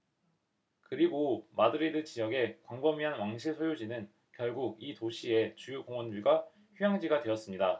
그리고 마드리드 지역의 광범위한 왕실 소유지는 결국 이 도시의 주요 공원들과 휴양지가 되었습니다